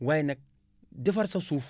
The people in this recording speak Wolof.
waaye nag defar sa suuf